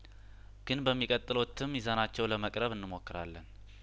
ግን በሚቀጥለው እትም ይዘ ናቸው ለመቅረብ እንሞክራለን